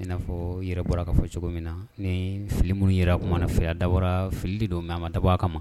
I n'a fɔ yɛrɛ bɔra k'a fɔ cogo min na ni fili minnu yɛrɛ tuma mana na fɛ dabɔra filili don mɛ a ma dabɔ a kama ma